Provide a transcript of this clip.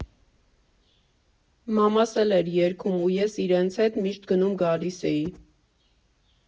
Մամաս էլ էր երգում, ու ես իրենց հետ միշտ գնում֊գալիս էի։